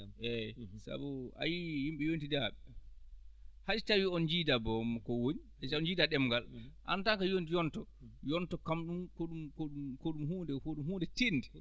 eeyi sabu a yiyii yimɓe yontidaaɓe hay so tawii on njiidaa boom ko woni hay si on njiidaa ɗemngal en tant yonti yonto yonto kam ɗum ko ɗum ko ɗum ko ɗum huunde ko ɗum huunde tiiɗnde